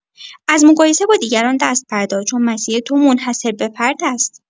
از مقایسه با دیگران دست بردار چون مسیر تو منحصر به فرد است.